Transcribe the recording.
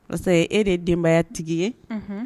Parce e de ye denbaya tigi ye